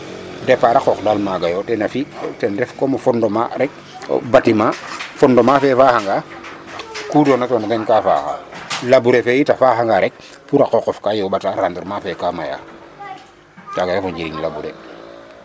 Départ a qooq daal maaga yo ten ref comme o fi' fondement rek batiment fondement fe faaxanga ku doonatoona teen ka faaxa labouré fe yit a faaxanga rek pour a qooqof ka yooɓataa rendement ma fe ka maya kaaga ref o njiriñ labouré.